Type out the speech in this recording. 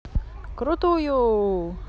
крутую